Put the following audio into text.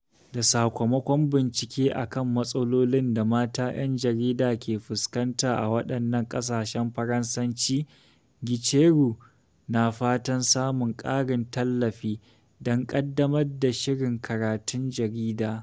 Da sakamakon bincike akan matsalolin da mata ‘yan jarida ke fuskanta a waɗannan ƙasashen Faransanci, Gicheru na fatan samun ƙarin tallafi don ƙaddamar da shirin karatun jarida.